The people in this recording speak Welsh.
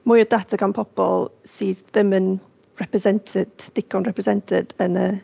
Mwy o data gan pobl sydd ddim yn represented, digon represented yn y...